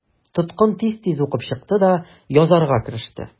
Тоткын тиз-тиз укып чыкты да язарга кереште.